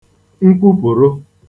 nkwupụ̀rụ